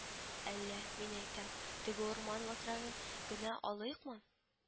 - әллә, мин әйтәм, теге урман лотрагын генә алыйкмы